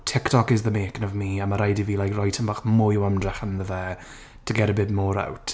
TikTok is the making of me. A ma' rhaid i fi like rhoi tamaid bach mwy o ymdrech ynddo fe to get a bit more out.